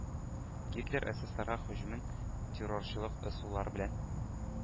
Гитлер эсэсэсэрга һөҗүмен террорчылык ысуллары белән